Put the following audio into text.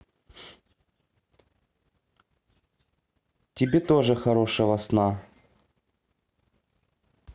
тебе тоже хорошего сна